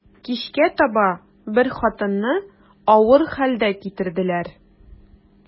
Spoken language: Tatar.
Кичкә таба бер хатынны авыр хәлдә китерделәр.